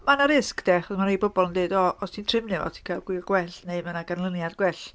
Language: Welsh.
Mae 'na risg, de, achos ma' rei pobl yn deud "o, os ti'n trefnu o, ti'n cael gwylia gwell, neu ma' 'na ganlyniad gwell.